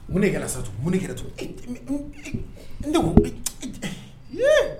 U ne kɛra satu u ne kɛra to ne